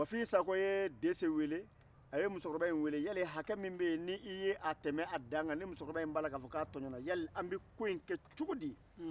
buwafin sakɔ ye dɛsɛ wele a ye musokrba in wele yali hakɛ min bɛ ye n'i ye a tɛmɛ a dan kan yali an bɛ ko in kɛ cogo di